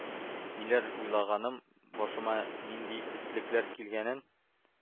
Ниләр уйлаганым, башыма нинди ”этлекләр“ килгәнен